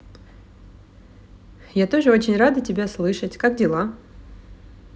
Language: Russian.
я тоже очень рада тебя слышать как дела